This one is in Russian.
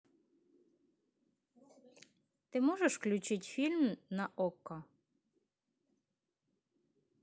ты можешь включить фильм на окко